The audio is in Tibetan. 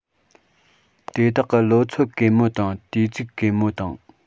དེ དག གི ལོ ཚོད གེ མོ དང དུས ཚིགས གེ མོ དང